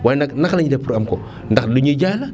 waaye nag naka la ñuy def pour am ko ndax lu ñuy jaay la